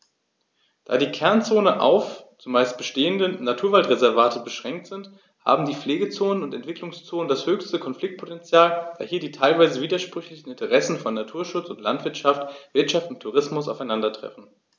Da die Kernzonen auf – zumeist bestehende – Naturwaldreservate beschränkt sind, haben die Pflegezonen und Entwicklungszonen das höchste Konfliktpotential, da hier die teilweise widersprüchlichen Interessen von Naturschutz und Landwirtschaft, Wirtschaft und Tourismus aufeinandertreffen.